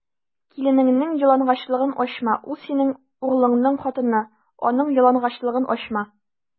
Киленеңнең ялангачлыгын ачма: ул - синең углыңның хатыны, аның ялангачлыгын ачма.